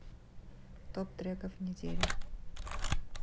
топ треков недели